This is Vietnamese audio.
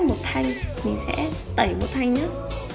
cách một thanh mình sẽ tẩy một thanh nhớ